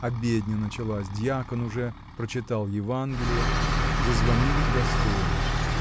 Обедня началась, дьякон уже прочитал евангелие, зазвонили к достойной